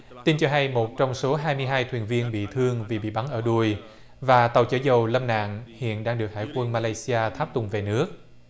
tin cho hay một trong số hai mươi hai thuyền viên bị thương vì bị bắn ở đùi và tàu chở dầu lâm nạn hiện đang được hải quân ma lay si a tháp tùng về nước